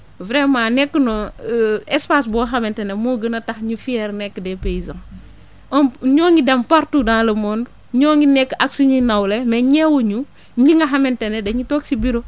vraiment nekk na espace boo xamante ne moo gën a tax ñu fière nekk des paysans on ñoo ngi dem partout dans le monde ñoo ngi nekk ak suñuy nawle mais ñeewuñu ñi nga xamante ne dañu toog si bureau